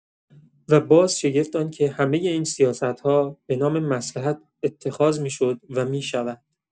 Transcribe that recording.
و باز شگفت آنکه همۀ این سیاست‌ها به نام مصلحت اتخاذ می‌شد و می‌شود.